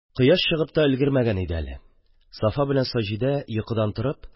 Кояш чыгып та өлгермәгән иде әле, Сафа белән Саҗидә, йокыдан торып